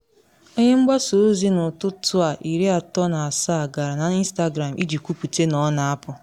Onye mgbasa ozi This Morning, 37, gara na Instagram iji kwupute na ọ na apụ.